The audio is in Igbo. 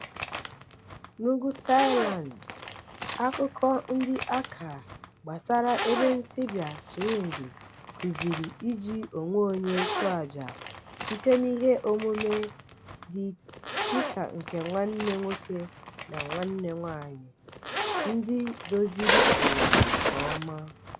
N'ugwu Thailand, akụkọ ndị Akha gbasara ebensibịa swịngị kuziri iji onwe onye chụọ aja site nihe omume dike nke nwanne nwoke na nwanne nwaanyị ndị doziri ụwa nke ọma.